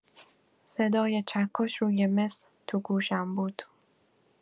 صدای چکش روی مس تو گوشم بود.